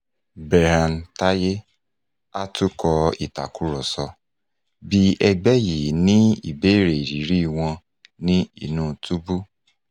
Berhan Taye, atọ́kùn ìtàkùrọ̀sọ, bi ẹgbẹ́ yìí ní ìbéèrè ìrírí wọn ní inú túbú.